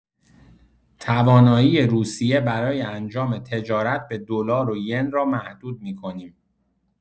توانایی روسیه برای انجام تجارت به دلار و ین را محدود می‌کنیم.